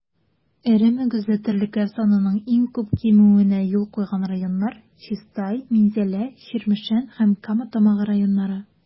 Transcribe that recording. Эре мөгезле терлекләр санының иң күп кимүенә юл куйган районнар - Чистай, Минзәлә, Чирмешән һәм Кама Тамагы районнары.